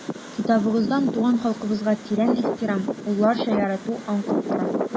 Китабыгыздан туган халкыбызга тирән ихтирам, улларча ярату аңкып тора.